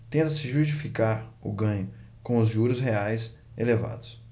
tenta-se justificar o ganho com os juros reais elevados